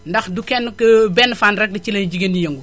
ndax du kenn benn fànn rekk ci la jigéen ñi di yëngu